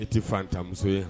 E tɛ fantanmuso ye